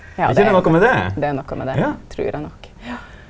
ja det er det er noko med det trur eg nok ja.